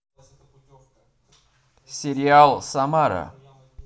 сериал самара